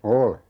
olen